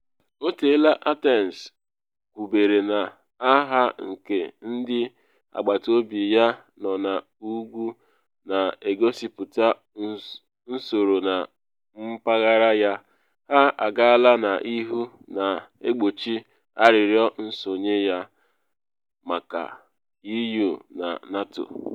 Oteela Athens kwubere na aha nke ndị agbataobi ya nọ n’ugwu na egosipụta nzọrọ na mpaghara ya, ha agaala n’ihu na egbochi arịrịọ nsonye ya maka EU na NATO.